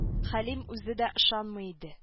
Хәлим үзе дә ышанмый иде